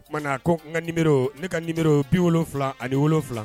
O kumana na ko n ka ninbri ne ka ninb pe wolonwula ani wolo wolonwula